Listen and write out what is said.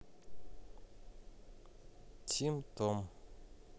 тим том